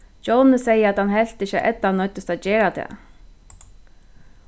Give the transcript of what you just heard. djóni segði at hann helt ikki at edda noyddist at gera tað